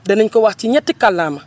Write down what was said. danañ ko wax ci ñetti kàllaama